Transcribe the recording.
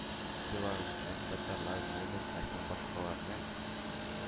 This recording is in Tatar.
Белоруслар, татарлар, немецлар һәм башкаларның